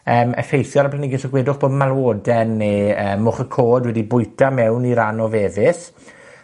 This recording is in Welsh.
yym effeithio ar y blanhigyn so gwedwch bod malwoden ne' yy moch y co'd wedi bwyta mewn i ran o fefus,